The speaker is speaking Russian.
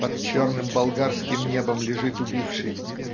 Под черным болгарским небом лежит убивший.